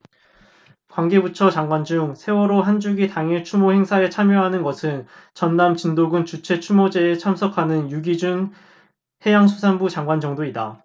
관계 부처 장관 중 세월호 한 주기 당일 추모 행사에 참여하는 것은 전남 진도군 주최 추모제에 참석하는 유기준 해양수산부 장관 정도다